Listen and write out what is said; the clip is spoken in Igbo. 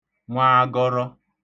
nwaagọrọ